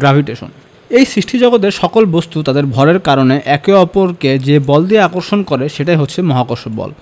gravitation এই সৃষ্টিজগতের সকল বস্তু তাদের ভরের কারণে একে অপরকে যে বল দিয়ে আকর্ষণ করে সেটাই হচ্ছে মহাকর্ষ বল